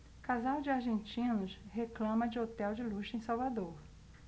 casal de argentinos reclama de hotel de luxo em salvador